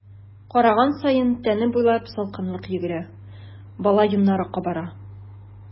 Караган саен тәне буйлап салкынлык йөгерә, бала йоннары кабара.